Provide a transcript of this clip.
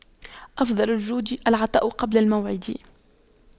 أفضل الجود العطاء قبل الموعد